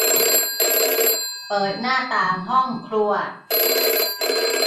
เปิดหน้าต่างห้องครัว